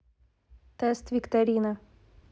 тест викторина